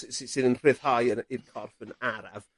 sy- sy- sydd yn rhyddhau yn y i'r corff yn araf.